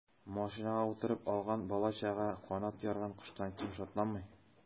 Машинага утырып алган бала-чага канат ярган коштан ким шатланмый.